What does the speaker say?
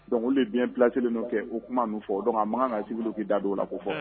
Donc o lu de bien placé len don kɛ u kuma ninnu fɔ donc a ma kan ka kɛ civil da don o la quoi ko fɔ wa